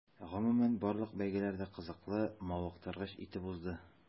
Гомумән, барлык бәйгеләр дә кызыклы, мавыктыргыч итеп узды.